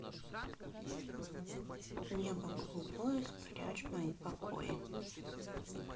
небо голубое спрячь мои покои